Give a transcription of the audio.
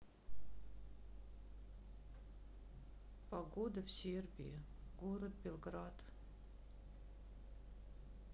погода в сербии город белград